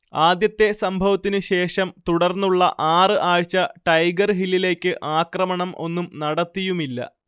ആദ്യത്തെ സംഭവത്തിന് ശേഷം തുടർന്നുള്ള ആറ് ആഴ്ച ടൈഗർ ഹില്ലിലേക്ക് ആക്രമണം ഒന്നും നടത്തിയുമില്ല